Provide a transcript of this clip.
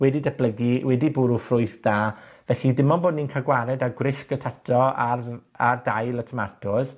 wedi datblygu, wedi bwrw ffrwyth da. Felly, dim ond bod ni'n ca'l gwared â gwrysg y tato a r-, a dail y tomatos